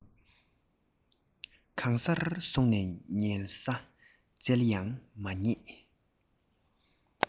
གང སར སོང ནས ཉལ ས བཙལ ཡང མ རྙེད